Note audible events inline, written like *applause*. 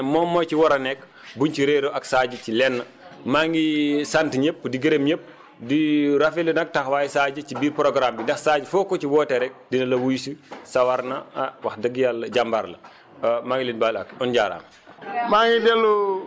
lépp loo xamante ne moom moo ci war a nekk buñ ci réeróo ak Sadio ci lenn maa ngi sant ñëpp di gërëm ñëpp di rafetlu nag taxawaayu Sadio ci biir programme bi ndax Sadio foo ko ci woote rek dina la wuyu si sawa na wax dëgg yàlla jàmbaar la *hesitation* maa ngi leen di baalu àq